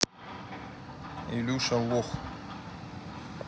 илюша лох